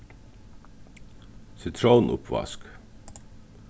sitrón uppvask